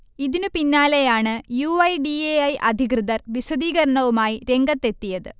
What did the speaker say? ഇതിനു പിന്നാലെയാണ് U. I. D. A. I. അധികൃർ വിശദീകരണവുമായി രംഗത്തെത്തിയത്